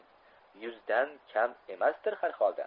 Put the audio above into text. yuzdan kam emasdir har holda